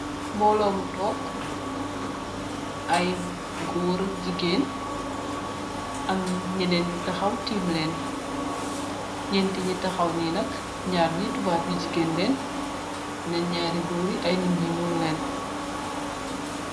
Mbolo bu tog ay goor ak jigeen am nyenen yu tahaw teem len neenti tahaw nee nak naari tubab yu jigeen len yenen naari goori ay nitt yu nuul leen.